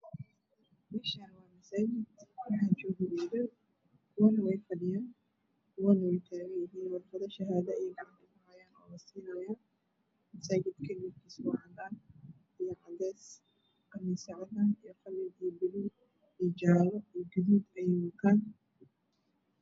Meeshaan waa masaajid waxaa joogo wiilal kuwana way fadhiyaan kuwana way taagan yihiin warqado shahaado ayay gacanta ku hayaan. Masaajidka kalarkiisu waa cadaan iyo cadeys. Qamiisyadu waa cadaan iyo qalin iyo buluug iyo jaalo ayay wataan.